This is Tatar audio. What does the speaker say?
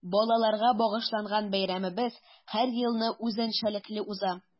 Балаларга багышланган бәйрәмебез һәр елны үзенчәлекле уза.